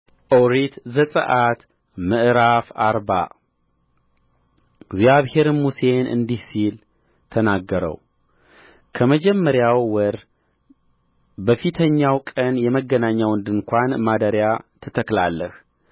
ኦሪት ዘጽአት ምዕራፍ አርባ እግዚአብሔርም ሙሴን እንዲህ ሲል ተናገረው ከመጀመሪያው ወር በፊተኛው ቀን የመገናኛውን ድንኳን ማደሪያ ትተክላለህ